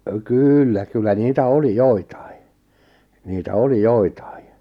kyllä kyllä niitä oli joitakin niitä oli joitakin